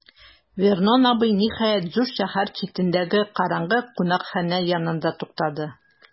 Вернон абый, ниһаять, зур шәһәр читендәге караңгы кунакханә янында туктады.